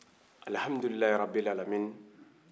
al-hamdu l-illahi rabbi l-ʿalamin